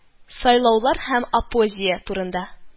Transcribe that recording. Сайлаулар һәм оппозиия турында